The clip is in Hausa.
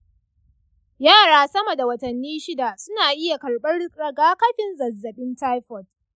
yara sama da watanni shida suna iya karɓar rigakafin zazzabin taifot